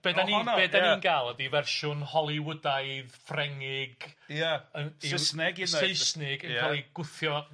Be' 'dan ni be' 'dan ni'n ga'l ydi fersiwn Hollywoodaidd Ffrengig... Ia. ...yn i'w... Sysneg neu Saesnig yn ca'l 'i gwthio